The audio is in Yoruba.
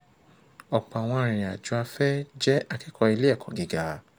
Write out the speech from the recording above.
Ọ̀pọ̀ àwọn arìnrìn-àjò afẹ́ jẹ́ akẹ́kọ̀ọ́ ilé-ẹ̀kọ́ gíga.